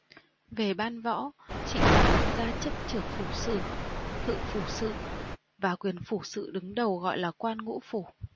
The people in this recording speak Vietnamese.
về ban võ trịnh tạc đặt ra chức trưởng phủ sự thự phủ sự và quyền phủ sự đứng đầu gọi là quan ngũ phủ